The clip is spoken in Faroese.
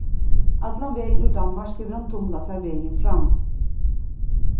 allan vegin úr danmark hevur hann tumlað sær vegin fram